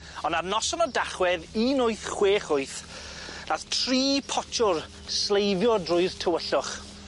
On' ar noson o Dachwedd un wyth chwech wyth nath tri potsiwr sleifio drwy'r tywyllwch.